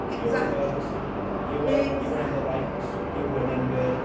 Exactly!... You were good. You were... Exactly!... You were in the right. You're winning girl.